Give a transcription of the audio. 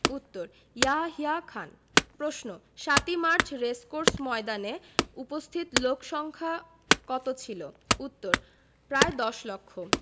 উত্তর ইয়াহিয়া খান প্রশ্ন ৭ই মার্চ রেসকোর্স ময়দানে উপস্থিত লোকসংক্ষা কত ছিলো উত্তর প্রায় দশ লক্ষ